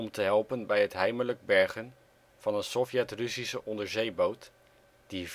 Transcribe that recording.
te helpen bij het heimelijk bergen van een Sovjet-Russische onderzeeboot die